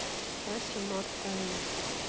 стася мар тайм